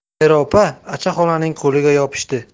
xayri opa acha xolaning qo'liga yopishdi